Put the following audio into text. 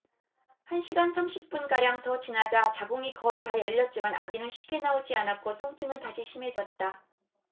한 시간 삼십 분가량 더 지나자 자궁이 거의 다 열렸지만 아기는 쉽게 나오지 않았고 통증은 다시 심해졌다